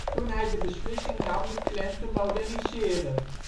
toen hij de beslissing nam de Klan te moderniseren